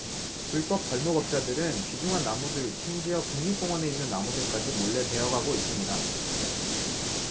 불법 벌목업자들은 귀중한 나무들 심지어 국립공원에 있는 나무들까지 몰래 베어 가고 있습니다